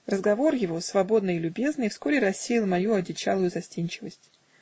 Разговор его, свободный и любезный, вскоре рассеял мою одичалую застенчивость